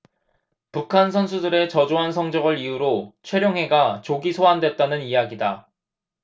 북한 선수들의 저조한 성적을 이유로 최룡해가 조기 소환됐다는 이야기다